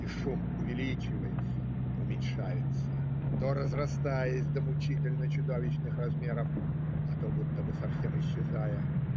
И шум увеличивается и уменьшается, то разрастаясь до мучительно чудовищных размеров, то будто бы совсем исчезая.